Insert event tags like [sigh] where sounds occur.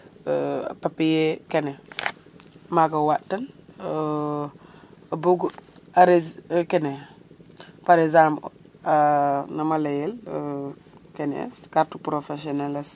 [hesitation] a papier kene maga o waaɗ tan [hesitation] o bug a re kene parexemple [hesitation] nama leyel [hesitation] kene es carte professionnel es